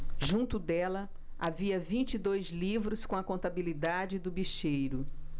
junto dela havia vinte e dois livros com a contabilidade do bicheiro